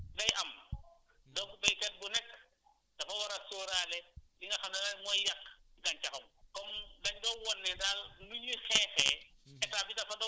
parce que at bu nekk day am donc béykat bu nekk dafa war a sóoraale li nga xam ne nag mooy yàq gàncaxam comme dañ koo wan ne daal nu ñuy xeexee